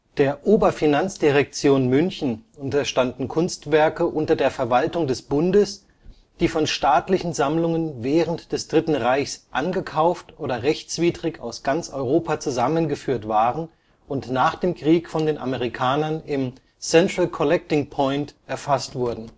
Der Oberfinanzdirektion München unterstanden Kunstwerke unter der Verwaltung des Bundes, die von staatlichen Sammlungen während des Dritten Reichs angekauft oder rechtswidrig aus ganz Europa zusammengeführt worden waren und nach dem Krieg von den Amerikanern im Central Collecting Point erfasst wurden